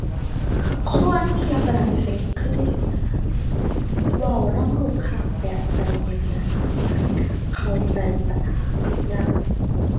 ควรมีลักษณะพิเศษคือ เว้านำลูกค้าแบบใจเย็นและสามารถเข้าใจปัญหาทุกอย่าง